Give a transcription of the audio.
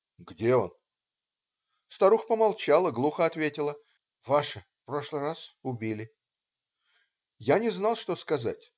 "Где он?" Старуха помолчала, глухо ответила: "ваши прошлый раз убили". Я не знал, что сказать.